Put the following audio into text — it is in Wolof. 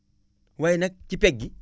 waaye nag ci pegg gi